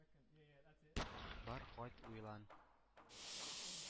Бар, кайт, уйлан.